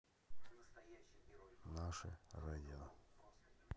наше радио